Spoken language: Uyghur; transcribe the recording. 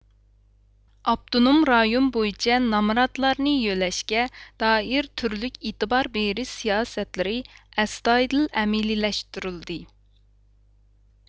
ئاپتونوم رايون بويىچە نامراتلارنى يۆلەشكە دائىر تۈرلۈك ئىتىباربېرىش سىياسەتلىرى ئەستايىدىل ئەمەلىيلەشتۈرۈلدى